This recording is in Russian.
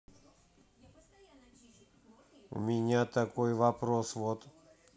не у меня такой вопрос вот